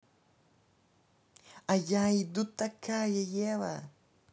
а я иду такая ева